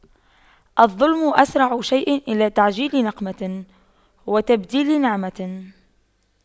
الظلم أسرع شيء إلى تعجيل نقمة وتبديل نعمة